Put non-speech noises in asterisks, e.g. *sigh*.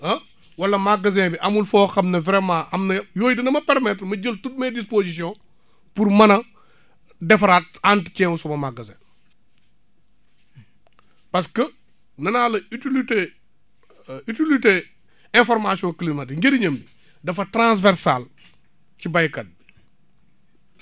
ah wala magasin bi amul foo xam ne vraiment am na yooyu dina ma permettre ma jël toutes mes dispositions pour mën a defaraat entretien wu suma magasin parce que nee naa la utilité *hesitation* utilité information climatique njëriñam bi dafa transversale ci baykat